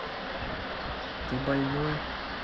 ты больной